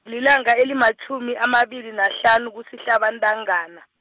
lilanga elimatjhumi, amabili nahlanu kusihlaba intangana.